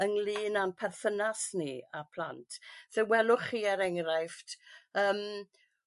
ynglŷn a'n perthynas ni a plant. Fe welwch chi er enghraifft yym